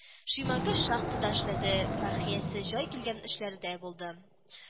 Шимай гел шахтада эшләде, Фәрхиясе җай килгән эшләрдә булды